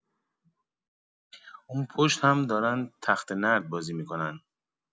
اون پشت هم دارن تخته‌نرد بازی می‌کنن.